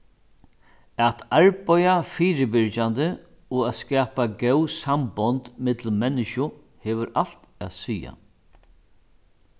at arbeiða fyribyrgjandi og at skapa góð sambond millum menniskju hevur alt at siga